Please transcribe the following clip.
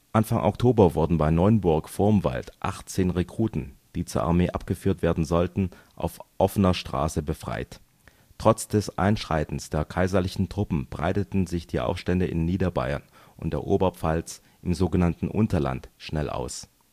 Anfang Oktober wurden bei Neunburg vorm Wald achtzehn Rekruten, die zur Armee abgeführt werden sollten, auf offener Straße befreit. Trotz des Einschreitens der kaiserlichen Truppen breiteten sich die Aufstände in Niederbayern und der Oberpfalz – im sogenannten Unterland – schnell aus